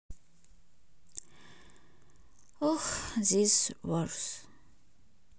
oh this wars